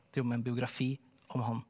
du jobber med en biografi om han.